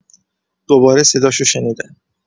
دوباره صداشو شنیدم.